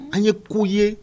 An ye k ko' ye